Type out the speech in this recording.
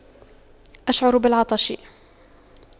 اشعر بالعطش